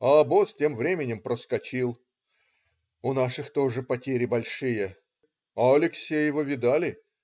А обоз тем временем проскочил. У наших тоже потери большие. А Алексеева видали?